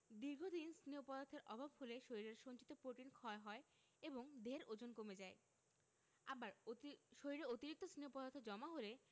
দীর্ঘদিন স্নেহ পদার্থের অভাব হলে শরীরের সঞ্চিত প্রোটিন ক্ষয় হয় এবং দেহের ওজন কমে যায় আবার অতি শরীরে অতিরিক্ত স্নেহ পদার্থ জমা হলে